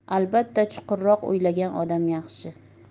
albatta chuqurroq o'ylagan odam yaxshi